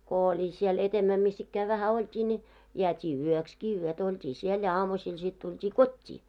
kun oli siellä edemmä missä ikään vähän oltiin niin jäätiin yöksikin yötä oltiin siellä ja aamusilla sitten tultiin kotiin